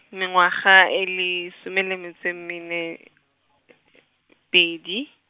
mengwaga e lesome le metšo e mene , pedi.